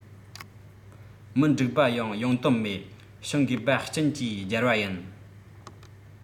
མི འགྲིག པ ཡང ཡོང དོན མེད ཤིང གས པ སྤྱིན གྱིས སྦྱར བ ཡིན